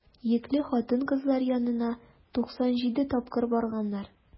Йөкле хатын-кызлар янына 97 тапкыр барганнар.